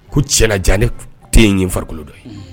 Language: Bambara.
Ko cɛ ne tɛ yen farikolokolo don